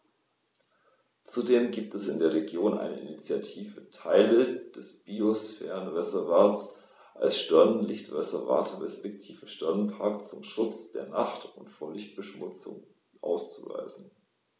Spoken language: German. Zudem gibt es in der Region eine Initiative, Teile des Biosphärenreservats als Sternenlicht-Reservat respektive Sternenpark zum Schutz der Nacht und vor Lichtverschmutzung auszuweisen.